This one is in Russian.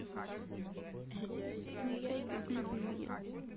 мияги люби меня